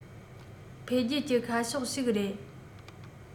འཕེལ རྒྱས ཀྱི ཁ ཕྱོགས ཤིག རེད